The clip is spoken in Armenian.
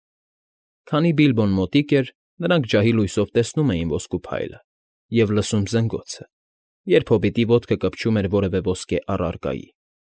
Քանի Բիլբոն մոտիկ էր, նրանք ջահի լուսյով տեսնում էին ոսկու փայլը և լսում զնգոցը, երբ հոբիտի ոտքը կպչում էր որևէ ոսկե առարկայի։